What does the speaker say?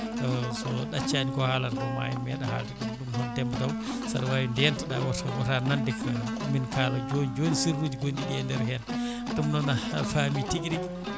taw so ɗaccani ko haalata ko ma en meeɗad haalde ɗum ɗum noo Demba Guaw saɗa wawi dentoɗa oto woota nande ko ko min kaala joni joni sirluji gonɗiɗi e nder hen ɗum noon faami tigui rigui